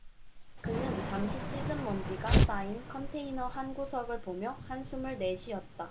그는 잠시 찌든 먼지가 쌓인 컨테이너 한 구석을 보며 한숨을 내쉬었다